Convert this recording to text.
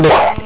som de